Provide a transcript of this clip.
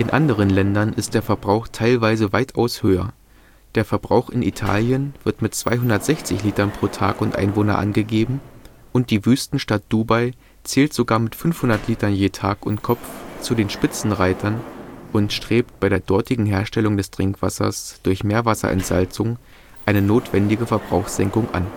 anderen Ländern ist der Verbrauch teilweise weitaus höher, der Verbrauch in Italien wird mit 260 Litern pro Tag und Einwohner angegeben und die Wüstenstadt Dubai zählt sogar mit 500 Litern je Tag und Kopf zu den Spitzenreitern und strebt bei der dortigen Herstellung des Trinkwassers durch Meerwasserentsalzung eine notwendige Verbrauchssenkung an